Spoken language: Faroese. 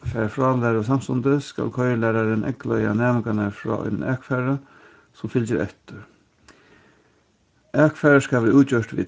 fær frálæru samstundis skal koyrilærarin eygleiða næmingarnar frá einum akfari sum fylgir eftir akfarið skal vera útgjørt við